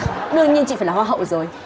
đương nhiên chị phải là hoa hậu rồi